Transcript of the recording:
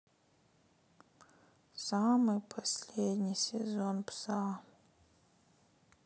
самый последний сезон пса